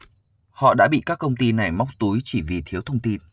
họ đã bị các công ty này móc túi chỉ vì thiếu thông tin